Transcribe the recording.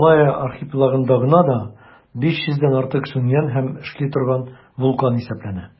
Малайя архипелагында гына да 500 дән артык сүнгән һәм эшли торган вулкан исәпләнә.